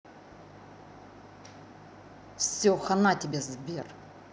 все хана тебе сбер